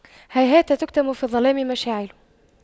هيهات تكتم في الظلام مشاعل